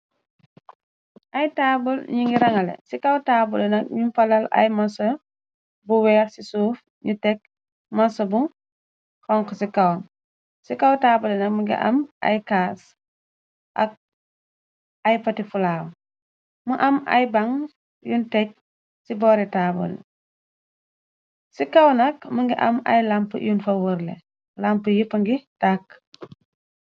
ay taabal ñi ngi rangale ci kaw taabalu nak ñu falal ay manso bu weex ci suuf ñu tekg mënsa bu xonk ci kaw ci kaw taabale nak mi ngi am ay caas ak ay pati flaw mu am ay baŋ yun teg ci boore taabal ci kaw nak mu ngi am ay lamp yun fa wërle lamp yipp ngi tàkk